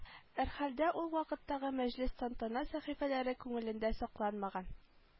Әрхәлдә ул вакыттагы мәҗлес-тантана сәхифәләре күңелендә сакланмаган